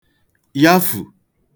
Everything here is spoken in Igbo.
yafù